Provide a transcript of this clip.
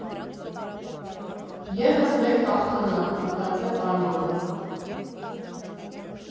Եվս մեկ հաղթանակ, մտածեց Արմանը։